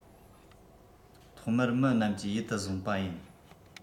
ཐོག མར མི རྣམས ཀྱིས ཡིད དུ བཟུང པ ཡིན